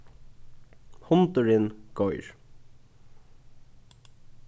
hundurin goyr